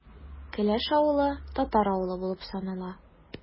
Келәш авылы – татар авылы булып санала.